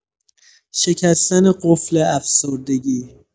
شکستن قفل افسردگی